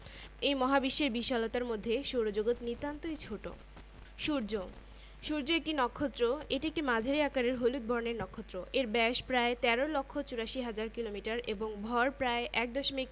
প্রাচীনকাল হতে ভারত তার বস্ত্রশিল্পের জন্য সারা পৃথিবীতে বিখ্যাত ছিল বর্তমানে ইস্পাত সিমেন্ট যন্ত্রপাতি রাসায়নিক দ্রব্য সার এমন কি জাহাজ ও গাড়ি তৈরিতেও ভারত এগিয়ে গেছে